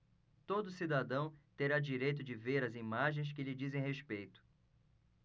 todo cidadão terá direito de ver as imagens que lhe dizem respeito